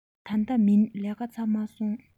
ད ལྟ མིན ལས ཀ ཚར མ སོང